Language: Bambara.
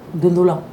Gundɔ la